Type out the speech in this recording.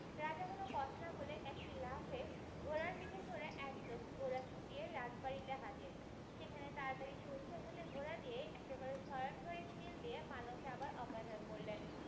রাজা কোন কথা না বলে একটি লাফে ঘোড়ার পিঠে চড়ে একদম ঘোড়া ছূটিয়ে রাজবাড়িতে হাজির সেখানে তাড়াতাড়ি সহিসের হাতে ঘোড়া দিয়েই একেবারে শয়ন ঘরে খিল দিয়ে পালঙ্কে আবার অজ্ঞান হয়ে পড়লেন